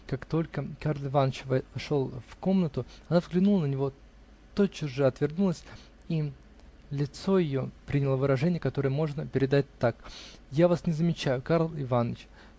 Как только Карл Иваныч вошел в комнату, она взглянула на него, тотчас же отвернулась, и лицо ее приняло выражение, которое можно передать так: я вас не замечаю, Карл Иваныч.